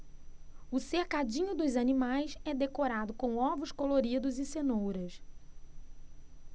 o cercadinho dos animais é decorado com ovos coloridos e cenouras